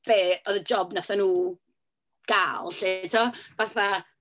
be oedd y job wnaethon nhw gael, 'lly tibod, fatha.